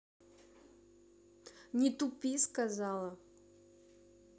не тупи сказала